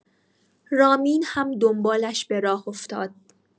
رامین هم دنبالش به راه افتاد.